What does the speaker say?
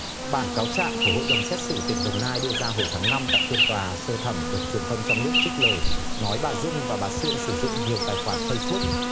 bản cáo trạng của hội đồng xét xử tỉnh đồng nai đưa ra hồi tháng năm tại phiên tòa sơ thẩm được truyền thông trong nước trích lời nói bà dung và bà sương sử dụng nhiều tài khoản phây búc